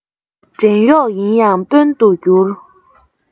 བྲན གཡོག ཡིན ཡང དཔོན དུ འགྱུར